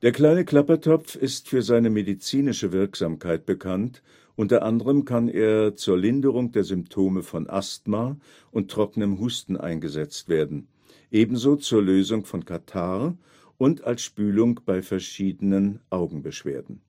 Kleine Klappertopf ist für seine medizinische Wirksamkeit bekannt, unter anderem kann er zur Linderung der Symptome von Asthma und trockenem Husten eingesetzt werden, ebenso zur Lösung von Katarrh und als Spülung bei verschiedene Augenbeschwerden